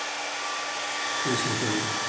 песня только